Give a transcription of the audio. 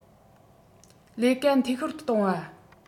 ལས ཀ འཐུས ཤོར དུ གཏོང བ